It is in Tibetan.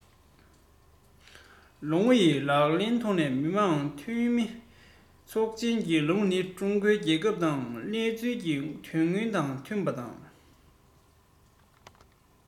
ལོ ངོ ཡི ལག ལེན གྱི ཐོག ནས མི དམངས འཐུས མི ཚོགས ཆེན གྱི ལམ ལུགས ནི ཀྲུང གོའི རྒྱལ ཁབ ཀྱི གནས ཚུལ དང དོན དངོས དང མཐུན པ དང